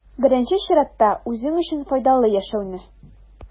Беренче чиратта, үзең өчен файдалы яшәүне.